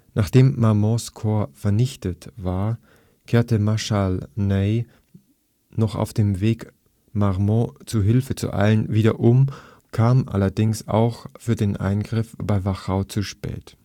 Nachdem Marmonts Korps vernichtet war, kehrte Marschall Ney noch auf dem Weg, Marmont zu Hilfe zu eilen, wieder um, kam allerdings auch für den Eingriff bei Wachau zu spät